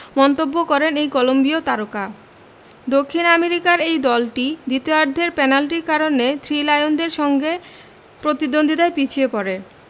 মন্তব্য করেন এই কলম্বিয় তারকা দক্ষিণ আমেরিকার ওই দলটি দ্বিতীয়ার্ধের পেনাল্টির কারণে থ্রি লায়নদের সঙ্গে প্রতিদ্বন্দ্বিতায় পিছিয়ে পড়ে